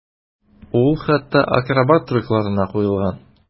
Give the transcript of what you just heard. Ул хәтта акробат трюкларына куелган.